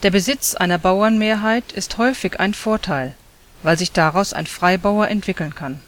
Besitz einer Bauernmehrheit ist häufig ein Vorteil, weil sich daraus ein Freibauer entwickeln kann